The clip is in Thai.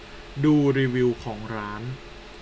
ดูรีวิวของร้าน